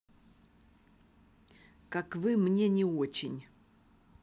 как вы мне не очень